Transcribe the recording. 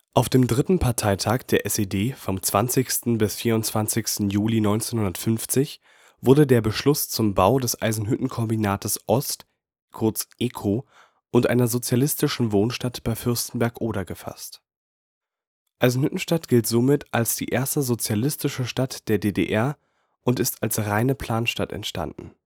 Auf dem III. Parteitag der SED vom 20. bis 24. Juli 1950 wurde der Beschluss zum Bau des Eisenhüttenkombinats Ost (EKO) und einer sozialistischen Wohnstadt bei Fürstenberg (Oder) gefasst. Eisenhüttenstadt gilt somit als die erste „ sozialistische Stadt “der DDR und ist als reine Planstadt entstanden